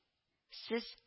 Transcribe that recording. Сез